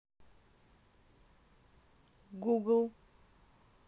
google